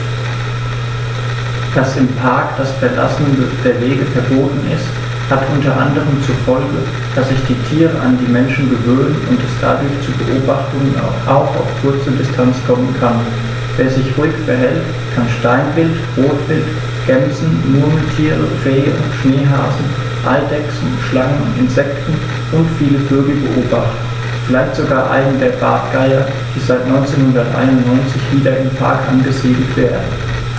Dass im Park das Verlassen der Wege verboten ist, hat unter anderem zur Folge, dass sich die Tiere an die Menschen gewöhnen und es dadurch zu Beobachtungen auch auf kurze Distanz kommen kann. Wer sich ruhig verhält, kann Steinwild, Rotwild, Gämsen, Murmeltiere, Rehe, Schneehasen, Eidechsen, Schlangen, Insekten und viele Vögel beobachten, vielleicht sogar einen der Bartgeier, die seit 1991 wieder im Park angesiedelt werden.